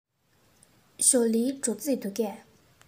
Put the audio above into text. ཞའོ ལིའི འགྲོ རྩིས འདུག གས